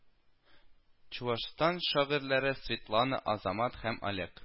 Чувашстан шагыйрьләре Светлана Азамат һәм Олег